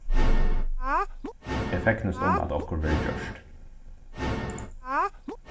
eg fegnist um at okkurt verður gjørt